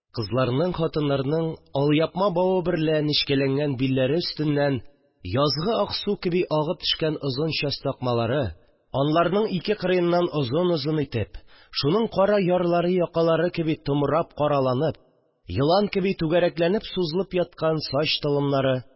Кызларның, хатыннарның алъяпма бавы берлә нечкәләнгән билләре өстеннән язгы ак су кеби агып төшкән озын сач такмалары, аларның ике кырыеннан озын-озын итеп, шуның кара ярлар-якалары кеби томырап-караланып, елан кеби түгәрәкләнеп сузылып яткан сач толымнары